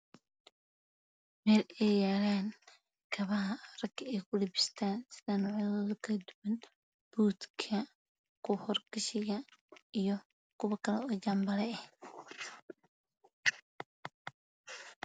Meel ay yaalana kaba raga gashtaan buudka iyo kuwa kale oo janbala ah